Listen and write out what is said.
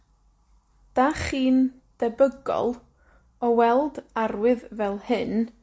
'dach chi'n debygol, o weld arwydd fel hyn,